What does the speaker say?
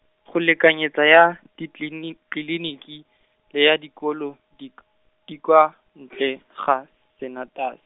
go lekanyetsa ya, ditlini- -tliliniki, le ya dikolo, di k-, di kwa, ntle, ga, senatas-.